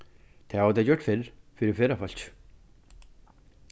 tað hava tey gjørt fyrr fyri ferðafólki